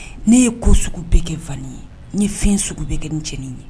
Ne ye ko sugu bɛɛ kɛ Vani ye. N ye fɛn sugu bɛɛ kɛ nin cɛnin ye.